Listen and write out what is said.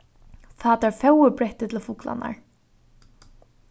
fá tær fóðurbretti til fuglarnar